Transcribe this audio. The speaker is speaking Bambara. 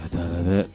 A taara dɛ